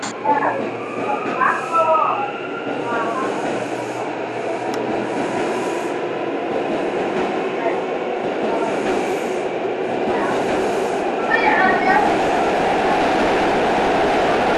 Meeshan waxaa yaalo fadhi leh muraayad